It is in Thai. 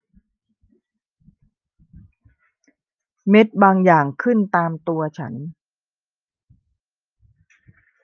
เม็ดบางอย่างขึ้นตามตัวฉัน